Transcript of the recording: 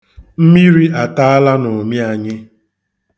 Mmiri ataala n'ụmị anyị